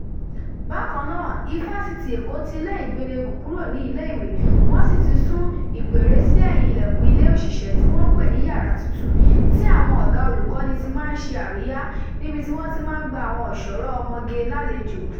Bákan náà, Ifásitì Èkó ti lé Igbeneghu kúrò ní ilé ìwé wọ́n sì ti sún ìpèré sí ẹ̀hìn ilẹ̀kùn ilé òṣìṣẹ́ tí wọ́n ń pè ní "yàrá tútù", tí àwọn ọ̀gá olùkọ́ni ti máa ń ṣe àríyá níbi tí wọ́n ti máa ń gba àwọn ọ̀ṣọ́rọ̀ ọmọge lálejò.